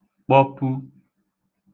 kpọpu